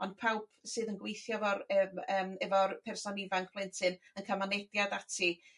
ond pawb sydd yn gweithio 'fo'r ef- yym efo'r person ifanc plentyn yn ca'l mynediad ati